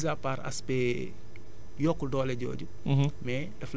peut être mise à part aspect yokkul doole jooju